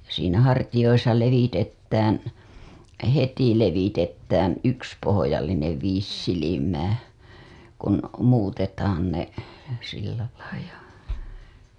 siinä hartioissa levitetään heti levitetään yksi pohjallinen viisi silmää kun muutetaan ne sillä lailla ja